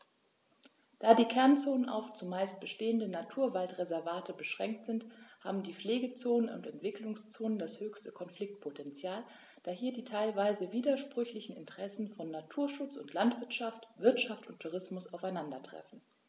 Da die Kernzonen auf – zumeist bestehende – Naturwaldreservate beschränkt sind, haben die Pflegezonen und Entwicklungszonen das höchste Konfliktpotential, da hier die teilweise widersprüchlichen Interessen von Naturschutz und Landwirtschaft, Wirtschaft und Tourismus aufeinandertreffen.